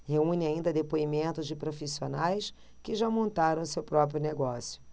reúne ainda depoimentos de profissionais que já montaram seu próprio negócio